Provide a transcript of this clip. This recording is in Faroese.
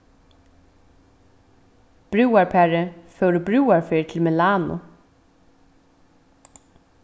brúðarparið fóru brúðarferð til milano